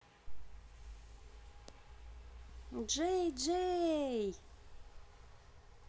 джей джей